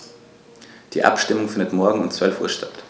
Die Abstimmung findet morgen um 12.00 Uhr statt.